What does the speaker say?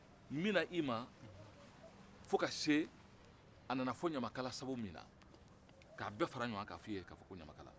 n bɛna i ma fo ka se a nana fɔ ɲamakala sabu min na k'a bɛɛ fara ɲɔgɔn kan k'a f'i ye ko ɲamakala